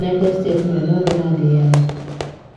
United States mere n'oge n'adịghị anya.